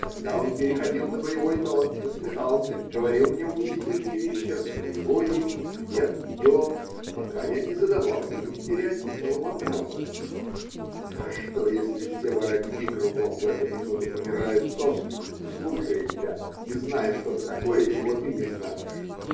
тогда он переходил на боевой тон, насмехался, говорил мне унизительные вещи от своего имени и от ее, пока я не задавал ему стереотипного вопроса: -- А что, если все воробьи кругом в эту минуту помирают со смеху, слушая тебя и зная что-то такое, чего ты не знаешь?